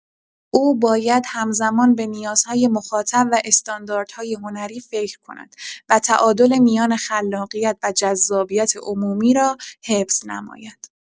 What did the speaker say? او باید همزمان به نیاز مخاطب و استانداردهای هنری فکر کند و تعادل میان خلاقیت و جذابیت عمومی را حفظ نماید.